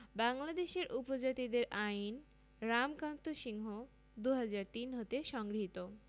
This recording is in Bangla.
বাংলাদেশের উপজাতিদের আইন রামকান্ত সিংহ ২০০৩ হতে সংগৃহীত